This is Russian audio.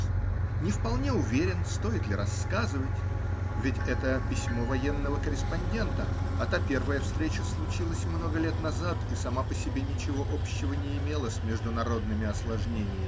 Не вполне уверен, стоит ли рассказывать: ведь это -- письмо военного корреспондента, а та первая встреча случилась много лет назад и сама по себе ничего общего не имела с международными осложнениями.